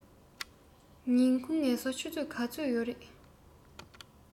ཉིན གུང ངལ གསོ ཆུ ཚོད ག ཚོད ཡོད རས